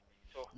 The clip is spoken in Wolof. Sow